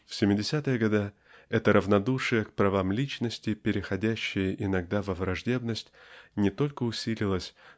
В семидесятых годах это равнодушие к правам личности переходящее иногда во враждебность не только усилилось